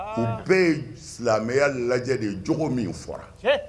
Aaa u bɛ ye silamɛya lajɛ de jogo min fɔra